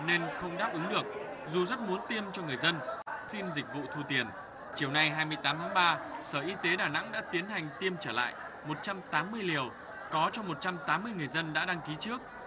nên không đáp ứng được dù rất muốn tiêm cho người dân sim dịch vụ thu tiền chiều nay hai mươi tám tháng ba sở y tế đà nẵng đã tiến hành tiêm trở lại một trăm tám mươi liều có cho một trăm tám mươi người dân đã đăng ký trước